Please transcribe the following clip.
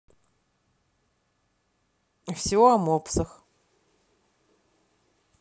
все о мопсах